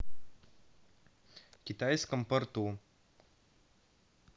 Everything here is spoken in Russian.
китайском порту